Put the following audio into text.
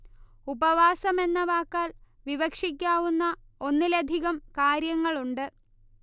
ഉപവാസം എന്ന വാക്കാൽ വിവക്ഷിക്കാവുന്ന ഒന്നിലധികം കാര്യങ്ങളുണ്ട്